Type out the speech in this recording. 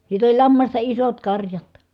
sitten oli lammasta isot karjat